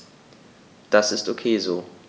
Das ist ok so.